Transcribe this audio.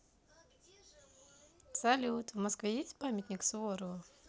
салют в москве есть памятник суворову